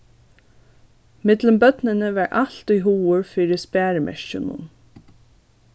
millum børnini var altíð hugur fyri sparimerkjunum